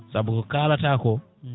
saabu ko kalata ko